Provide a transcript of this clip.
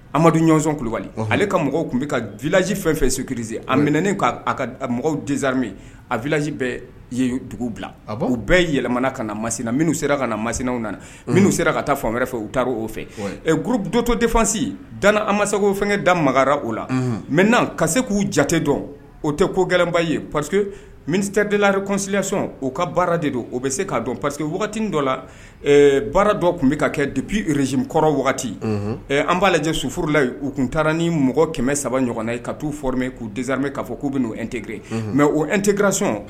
Amadu ɲɔgɔnzɔn kulubali ale ka mɔgɔw tun bɛ ka vlaji fɛn fɛ su kirize a minɛen k' ka mɔgɔw dezsarimi a v bɛ ye dugu bila u bɛɛ yɛlɛmana ka na masina minnu sera ka na masinaw nana minnuu sera ka taa fan wɛrɛ fɛ u taara' oo fɛ g dɔtɔtefasi dan an ma se fɛnkɛ da magara o la mɛ n na ka se k'u jate dɔn o tɛ ko gɛlɛnba ye pari que mini tɛdlare kɔsiya sɔn u ka baara de don o bɛ se ka'a dɔn pari queke wagati dɔ la baara dɔ tun bɛ ka kɛ dubi rezekɔrɔ wagati an b'a lajɛ suforola yen u tun taara ni mɔgɔ kɛmɛ saba ɲɔgɔn na ye ka t taau fɔme k'u dedrame k'a fɔ k'u bɛ'o tɛgrre mɛ o n tɛkrra sɔn